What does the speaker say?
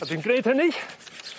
A dwi'n gneud hynny